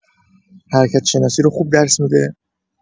حرکت‌شناسی رو خوب درس می‌ده؟